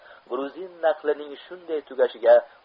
gruzin naqlining shunday tugashiga